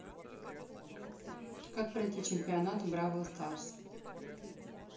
как пройти чемпионат в brawl stars